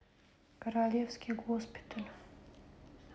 королевский госпиталь